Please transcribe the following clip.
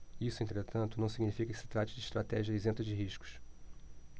isso entretanto não significa que se trate de estratégia isenta de riscos